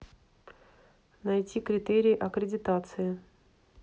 найти критерии аккредитации